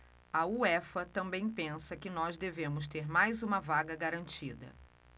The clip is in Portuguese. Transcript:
a uefa também pensa que nós devemos ter mais uma vaga garantida